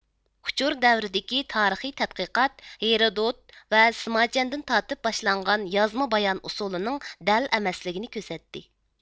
ئۇچۇر دەۋرىدىكى تارىخىي تەتقىقات ھېرودود ۋە سىماچيەندىن تارتىپ باشلانغان يازما بايان ئۇسۇلىنىڭ دەل ئەمەسلىكىنى كۆرسەتتى